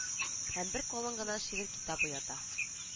Һәм бер калын гына шигырь китабы ята